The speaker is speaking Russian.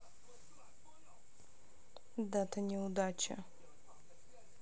дата неудачи